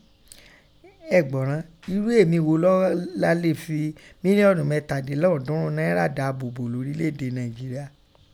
Ẹ̀ gbọ́ rán, iru èmi gho la léè fi mílíọ́nù mẹ́tàlélọ́ọ̀dúnrún náírà dáàbò bo lọ́rílè èdè Nàìnjéríà?